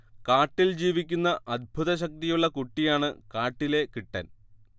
കാട്ടിൽ ജീവിക്കുന്ന അത്ഭുത ശക്തിയുള്ള കുട്ടിയാണ് കാട്ടിലെ കിട്ടൻ